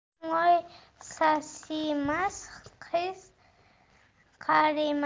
moy sasimas qiz qarimas